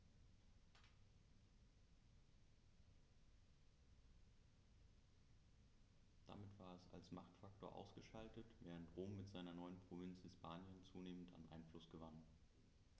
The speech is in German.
Damit war es als Machtfaktor ausgeschaltet, während Rom mit seiner neuen Provinz Hispanien zunehmend an Einfluss gewann.